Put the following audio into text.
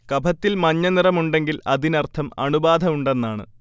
കഫത്തിൽ മഞ്ഞനിറമുണ്ടെങ്കിൽ അതിനർഥം അണുബാധ ഉണ്ടെന്നാണ്